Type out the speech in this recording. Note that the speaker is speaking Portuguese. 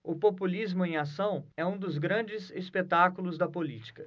o populismo em ação é um dos grandes espetáculos da política